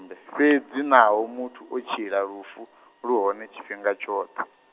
ndi fhedzi naho muthu o tshila lufu, lu hone tshifhinga tshoṱhe.